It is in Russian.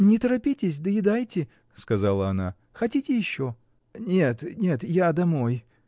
— Не торопитесь, доедайте, — сказала она, — хотите еще? — Нет. нет. Я домой.